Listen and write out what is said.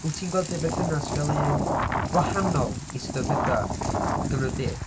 Wyt ti'n gweld y berthynas fel un wahanol i sut oedd pethau yn dy gyfnod di?